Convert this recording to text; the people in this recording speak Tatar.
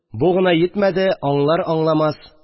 Бу гына йитмәде, аңлар-аңламас